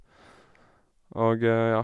Og, ja.